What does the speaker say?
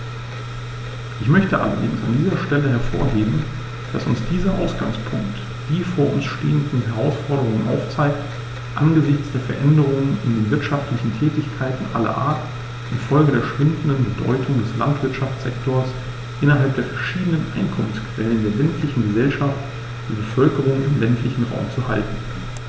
Ich möchte allerdings an dieser Stelle hervorheben, dass uns dieser Ausgangspunkt die vor uns stehenden Herausforderungen aufzeigt: angesichts der Veränderungen in den wirtschaftlichen Tätigkeiten aller Art infolge der schwindenden Bedeutung des Landwirtschaftssektors innerhalb der verschiedenen Einkommensquellen der ländlichen Gesellschaft die Bevölkerung im ländlichen Raum zu halten.